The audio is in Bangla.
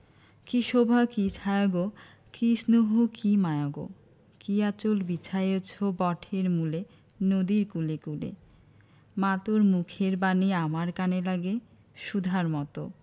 কী শোভা কী ছায়া গো কী স্নেহ কী মায়া গো কী আঁচল বিছায়েছ বটের মূলে নদীর কূলে কূলে মা তোর মুখের বাণী আমার কানে লাগে সুধার মতো